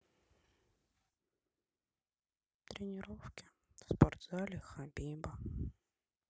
тренировки в спортзале хабиба